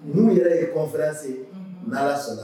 N' yɛrɛ yese' sɔnna